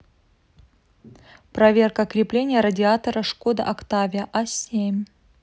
проверка крепления радиатора skoda octavia a семь